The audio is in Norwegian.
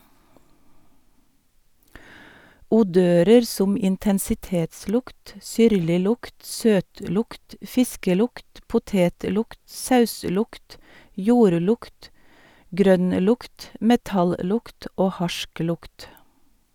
Odører som intensitetslukt, syrliglukt, søtlukt, fiskelukt , potetlukt, sauslukt, jordlukt, grønnlukt , metallukt og harsklukt.